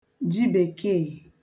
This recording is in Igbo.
jibèkeè